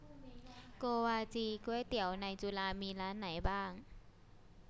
โกวาจีก๋วยเตี๋ยวในจุฬามีร้านไหนบ้าง